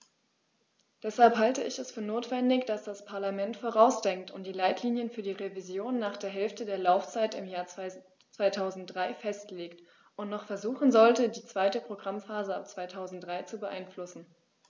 Deshalb halte ich es für notwendig, dass das Parlament vorausdenkt und die Leitlinien für die Revision nach der Hälfte der Laufzeit im Jahr 2003 festlegt und noch versuchen sollte, die zweite Programmphase ab 2003 zu beeinflussen.